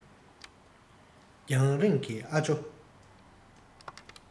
རྒྱང རིང གི ཨ ཇོ